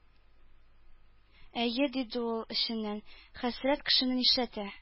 «әйе,— диде ул эченнән,—хәсрәт кешене нишләтә!»